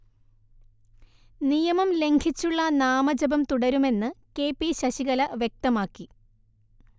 നിയമം ലംഘിച്ചുള്ള നാമജപം തുടരുമെന്ന് കെ പി ശശികല വ്യക്തമാക്കി